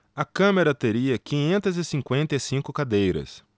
a câmara teria quinhentas e cinquenta e cinco cadeiras